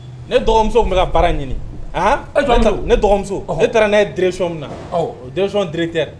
Ne dɔgɔmusow bɛ baara ɲini a ne dɔgɔmuso ne taara ne ye dreson minɛ na desɔn d tɛ